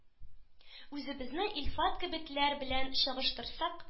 Үзебезне Илфат кебекләр белән чагыштырсак,